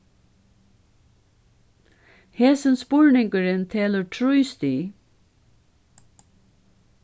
hesin spurningurin telur trý stig